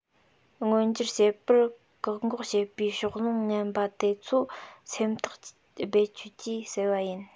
མངོན འགྱུར བྱེད པར བཀག འགོག བྱེད པའི ཕྱོགས ལྷུང ངན པ དེ ཚོ སེམས ཐག རྦད བཅད ཀྱིས བསལ བ ཡིན